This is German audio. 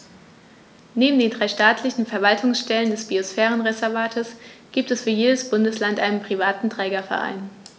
Neben den drei staatlichen Verwaltungsstellen des Biosphärenreservates gibt es für jedes Bundesland einen privaten Trägerverein.